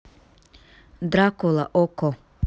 дракула окко